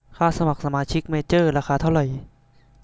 ค่าสมัครสมาชิกเมเจอร์ราคาเท่าไหร่